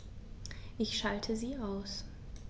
Ich schalte sie aus.